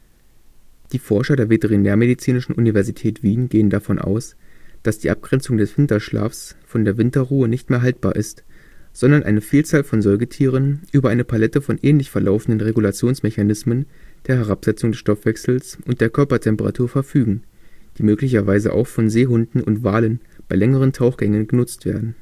Forscher der Veterinärmedizinischen Universität Wien gehen davon aus, dass die Abgrenzung des Winterschlafs von der Winterruhe nicht mehr haltbar ist, sondern eine Vielzahl von Säugetieren über eine Palette von ähnlich verlaufenden Regulationsmechanismen der Herabsetzung des Stoffwechsels und der Körpertemperatur verfügen, die möglicherweise auch von Seehunden und Walen bei längeren Tauchgängen genutzt werden